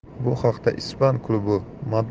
bu haqda ispan klubi